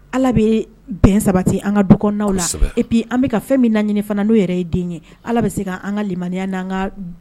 Allah bɛ bɛn sabati an ka du kɔnɔnaw la, kosɛbɛ, et puis an fɛn min laɲini fana n'o yɛrɛ den ye allah bɛ se ka an ka limaniya ni an ka